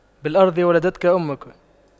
بالأرض ولدتك أمك